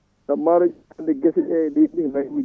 saabu maaroji andi guese ɗe *